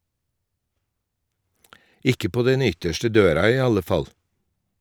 Ikke på den ytterste døra i alle fall.